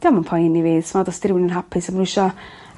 'Dio'm yn poeni fi os nad os 'di rywun yn hapus a ma' n'w isio